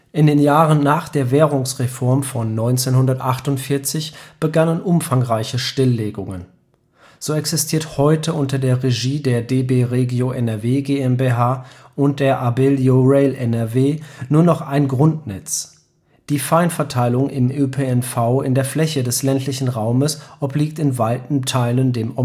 In den Jahren nach der Währungsreform von 1948 begannen umfangreiche Stilllegungen. So existiert heute unter der Regie der DB Regio NRW GmbH und der Abellio Rail NRW nur noch ein Grundnetz. Die Feinverteilung im ÖPNV in der Fläche des ländlichen Raumes obliegt in weiten Teilen dem Omnibusverkehr